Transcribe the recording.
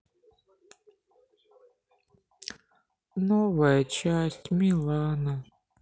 новая часть милана